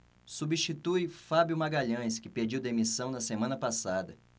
substitui fábio magalhães que pediu demissão na semana passada